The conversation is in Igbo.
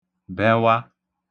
ḃẹwa